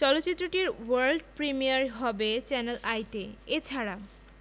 চলচ্চিত্রটির world premiere হবে channel আইতে এ ছাড়া